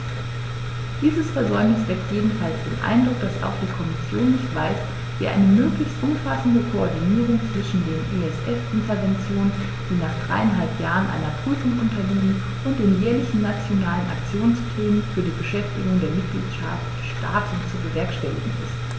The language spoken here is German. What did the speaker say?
Dieses Versäumnis weckt jedenfalls den Eindruck, dass auch die Kommission nicht weiß, wie eine möglichst umfassende Koordinierung zwischen den ESF-Interventionen, die nach dreieinhalb Jahren einer Prüfung unterliegen, und den jährlichen Nationalen Aktionsplänen für die Beschäftigung der Mitgliedstaaten zu bewerkstelligen ist.